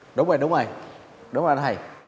đúng rồi đúng rồi đúng rồi thầy